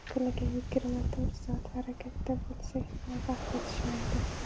kunda yigirma to'rt soat harakatda bo'lsang ham vaqt yetishmaydi